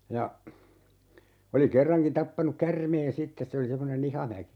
ja oli kerrankin tappanut käärmeen sitten se oli semmoinen IhamäkI